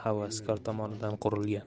havaskor tomonidan qurilgan